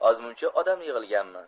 ozmuncha odam yig'ilganmi